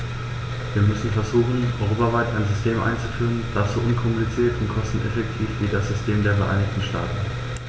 Wir müssen versuchen, europaweit ein System einzuführen, das so unkompliziert und kosteneffektiv ist wie das System der Vereinigten Staaten.